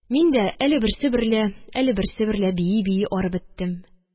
Мин дә әле берсе берлә, әле берсе берлә бии-бии арып беттем.